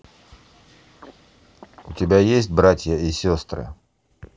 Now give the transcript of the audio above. у тебя есть братья и сестры